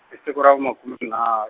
hi siku ra makume nhar-.